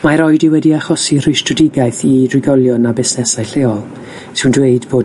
Mmae'r oedi wedi achosi rhwystredigaeth i drigolion a busnesau lleol sy'n dweud fod